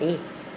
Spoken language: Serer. i